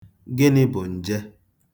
Gịnị bụ nje?